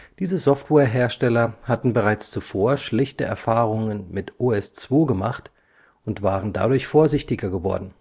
Diese Softwarehersteller hatten bereits zuvor schlechte Erfahrungen mit OS/2 gemacht und waren dadurch vorsichtiger geworden